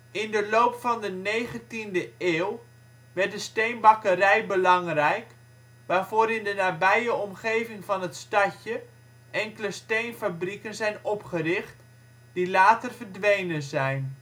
In de loop van de 19e eeuw werd de steenbakkerij belangrijk, waarvoor in de nabije omgeving van het stadje enkele steenfabrieken zijn opgericht, die later verdwenen zijn